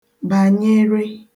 bànyere